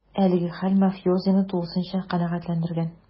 Әлеге хәл мафиозины тулысынча канәгатьләндергән: